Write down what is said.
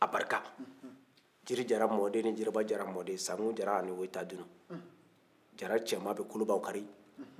a barika jiri jara mɔden ni jiriba jara mɔden sankun jara ani wayitadunu jara cɛman bɛ kolobaw kari musoman bɛ kolobaw susu